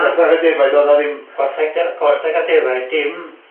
Gwartheg a defaid oedd o ddim... Gwartheg de- gwarheg a defaid dim